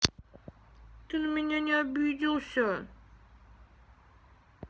ты на меня не обиделся